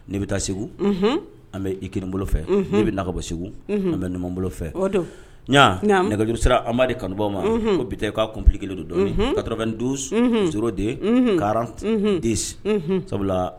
Ni bɛ taa segu an bɛ i kelen bolo fɛ ne bɛ na ka bɔ segu an bɛ numubolo fɛ ɲa nɛgɛge sera a amaduri kanubaw ma ko bite k' kunp kelen don dɔn ka tora ka duuru s de ka de sabula